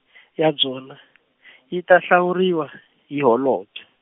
ya byona yi ta hlawuriwa hi Holobye.